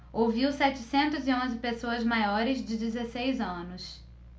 ouviu setecentos e onze pessoas maiores de dezesseis anos